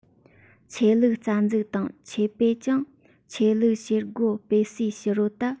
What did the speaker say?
ཆོས ལུགས རྩ འཛུགས དང ཆོས པས ཀྱང ཆོས ལུགས བྱེད སྒོ སྤེལ སའི ཕྱི རོལ དུ